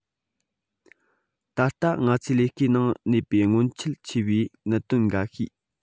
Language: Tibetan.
ད ལྟ ང ཚོའི ལས ཀའི ནང གནས པའི མངོན གསལ ཆེ བའི གནད དོན འགའ ཤས